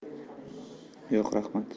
yo'q raxmat